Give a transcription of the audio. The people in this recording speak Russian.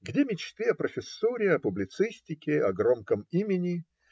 - Где мечты о профессуре, о публицистике, о громком имени?